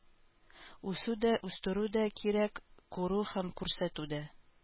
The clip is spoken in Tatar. Үсү дә үстерү дә кирәк, күрү һәм күрсәтү дә.